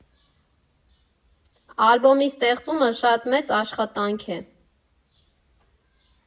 Ալբոմի ստեղծումը շատ մեծ աշխատանք է։